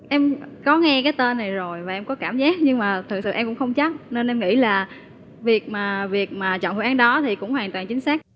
em có nghe cái tên này rồi và em có cảm giác nhưng mà thực sự em cũng không chắc nên em nghĩ là việc mà việc mà chọn phương án đó thì cũng hoàn toàn chính xác